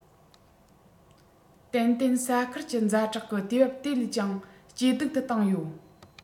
ཏན ཏན ས ཁུལ གྱི ཛ དྲག གི དུས བབ དེ བས ཀྱང ཇེ སྡུག ཏུ བཏང ཡོད